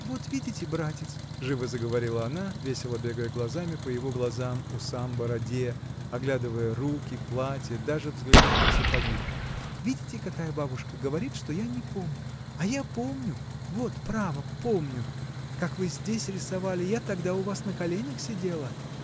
— Вот видите, братец, — живо заговорила она, весело бегая глазами по его глазам, усам, бороде, оглядывая руки, платье, даже взглянув на сапоги, — видите, какая бабушка, говорит, что я не помню, — а я помню, вот, право, помню, как вы здесь рисовали: я тогда у вас на коленях сидела.